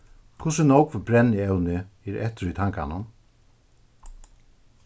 hvussu nógv brennievni er eftir í tanganum